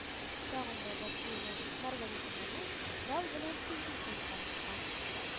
Тагын бер россияле Маргарита Мамун балл белән сигезенче урынга чыккан